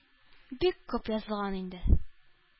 Бик күп язылган инде.